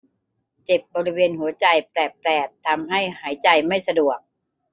เจ็บบริเวณหัวใจแปลบแปลบทำให้หายใจไม่สะดวก